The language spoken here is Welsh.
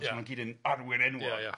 Ia. Achos ma' nw gyd yn arwyr enwog. Ia ia.